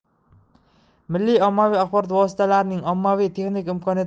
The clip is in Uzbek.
milliy ommaviy axborot vositalarining moliyaviy texnik